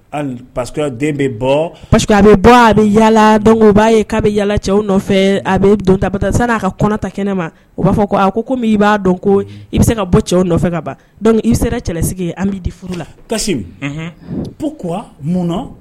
Pa den bɛ bɔ a bɛ bɔ a bɛ yaa dɔn b'a ye' a bɛ yaa cɛw nɔfɛ a bɛ don taba sani n'a ka kɔnɔta kɛnɛ ma o b'a fɔ ko a ko min i b'a dɔn ko i bɛ se ka bɔ cɛ nɔfɛ ka i bɛ sera cɛlasigi an b'i di furu la ko ko munɔ